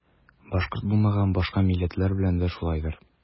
Башкорт булмаган башка милләтләр белән дә шулайдыр.